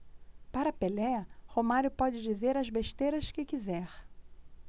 para pelé romário pode dizer as besteiras que quiser